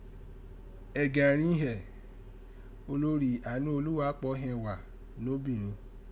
Ẹ̀gàn rin hẹ̀, olorì Ànúolúwápọ̀ hẹngwà n'obìnrẹn.